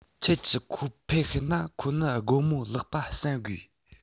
ཁྱེད ཀྱི ཁོ འཕེལ ཤུགས ན ཁོ ནི སྒོར མོ བརླག པ བསམ དགོས